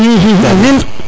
amiin